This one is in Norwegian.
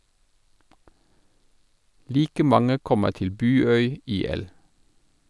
Like mange kommer til Buøy IL.